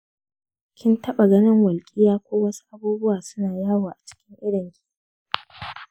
kin taɓa ganin walƙiya ko wasu abubuwa suna yawo a cikin ganinki?